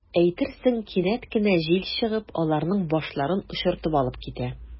Әйтерсең, кинәт кенә җил чыгып, аларның “башларын” очыртып алып китә.